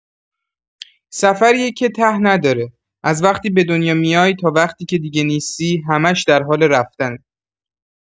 سفریه که ته نداره، از وقتی به دنیا میای تا وقتی که دیگه نیستی، همش در حال رفتنه.